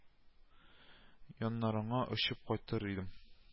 Яннарыңа очып кайтыр идем